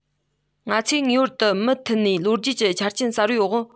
ང ཚོས ངེས པར དུ མུ མཐུད ནས ལོ རྒྱུས ཀྱི ཆ རྐྱེན གསར པའི འོག